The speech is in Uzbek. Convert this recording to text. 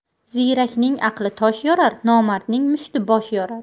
ziyrakning aqli tosh yorar nomardning mushti bosh yorar